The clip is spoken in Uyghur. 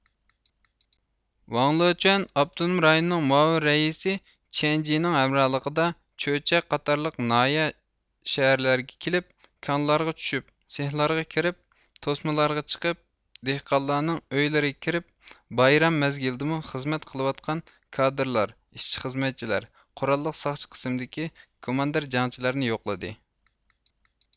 ۋاڭلېچۇەن ئاپتونوم رايوننىڭ مۇئاۋىن رەئىسى چيەنجىنىڭ ھەمراھلىقىدا چۆچەك قاتارلىق ناھىيە شەھەرلەرگە كېلىپ كانلارغا چۈشۈپ سىخلارغا كىرىپ توسمىلارغا چىقىپ دېھقانلارنىڭ ئۆيلىرىگە كىرىپ بايرام مەزگىلىدىمۇ خىزمەت قىلىۋاتقان كادىرلار ئىشچى خىزمەتچىلەر قوراللىق ساقچى قىسىمدىكى كوماندىر جەڭچىلەرنى يوقلىدى